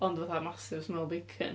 Ond fatha massive smell o bacon.